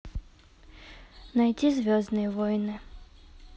найди звездные войны